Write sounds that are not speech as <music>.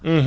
<hesitation> <hesitation>